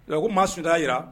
Ko maa sunjatataa jira